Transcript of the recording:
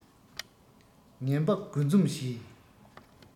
ངན པ དགུ འཛོམས ཞེས